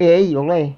ei ole